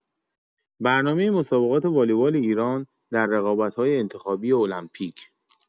برنامه مسابقات والیبال ایران در رقابت‌های انتخابی المپیک